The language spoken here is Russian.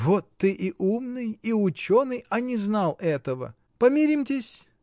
— Вот ты и умный, и ученый, а не знал этого! — Помиримтесь?